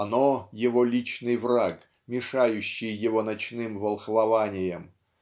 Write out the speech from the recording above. Оно -- его личный враг, мешающий его ночным волхвованиям.